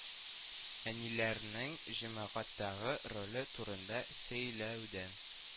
Әниләрнең җәмгыятьтәге роле турында сөйләүдән